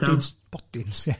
Bodins, bodins, ie.